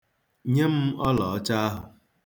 Nye m ọlọọcha ahụ.